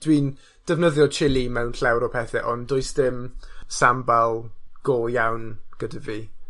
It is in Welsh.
Dwi'n defnyddio chili mewn llawer o pethe, ond does dim sambal go iawn gyda fi.